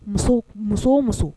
Musow muso o muso